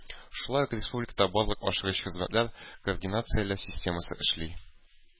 Шулай ук республикада барлык ашыгыч хезмәтләр координацияләү системасы эшли.